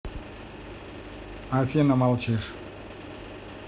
афина молчишь